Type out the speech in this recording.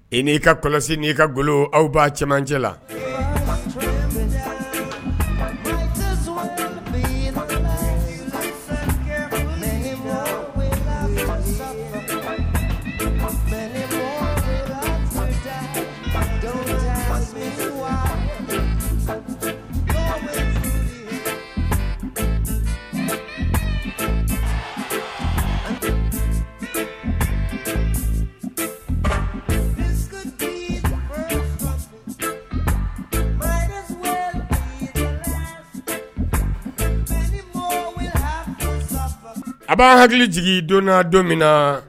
I n'i ka kɔlɔsi n'i ka golo aw ba cɛmancɛ la a b'a hakili jigin donnana don min na